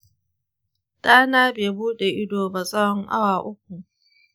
dana bai bude ido ba tsawon awa uku.